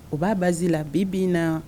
O b'a basi la bi bin na